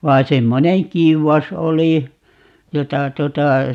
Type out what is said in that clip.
vaan semmoinen kiuas oli jota tuota